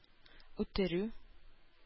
Үтерү